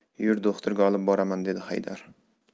yur do'xtirga olib boraman dedi haydar